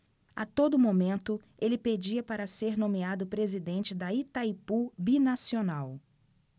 a todo momento ele pedia para ser nomeado presidente de itaipu binacional